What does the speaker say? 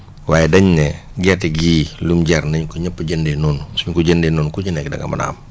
waaye dañ ne gerte gii lum jar nañ ko ñëpp jëndee noonu suñ ko jëndee noonu ku ci nekk da nga mën a am